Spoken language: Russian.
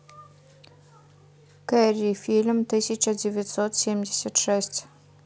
керри фильм тысяча девятьсот семьдесят шесть